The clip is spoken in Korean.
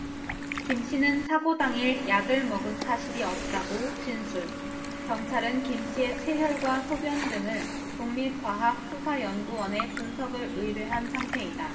김씨는 사고 당일 약을 먹은 사실이 없다고 진술 경찰은 김씨의 채혈과 소변 등을 국립과학수사연구원에 분석을 의뢰한 상태이다